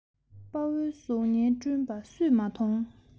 དཔའ བོའི གཟུགས བརྙན བསྐྲུན པ སུས མ མཐོང